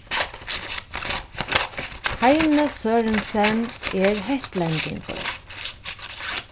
heini sørensen er hetlendingur